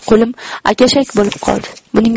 qo'lim akashak bo'lib qoldi